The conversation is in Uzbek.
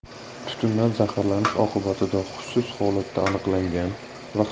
tutundan zaharlanishi oqibatida hushsiz holatda aniqlangan va